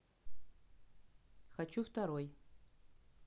хочу второй